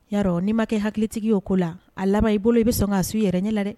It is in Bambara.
Yaa n'i ma kɛ hakilitigi y oo ko la a laban y i bolo i bɛ sɔn k ka su yɛrɛ n ɲɛ dɛ